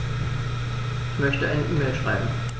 Ich möchte eine E-Mail schreiben.